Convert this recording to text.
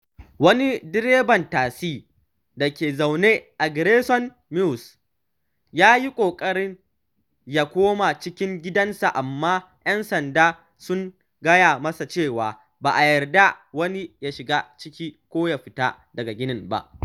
Wani direban tasi da ke zaune a Grayson Mews ya yi ƙoƙarin ya koma cikin gidansa amma ‘yan sanda sun gaya masa cewa ba a yarda wani ya shiga ciki ko fita daga ginin ba.